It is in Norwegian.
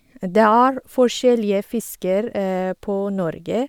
Det er forskjellige fisker på Norge.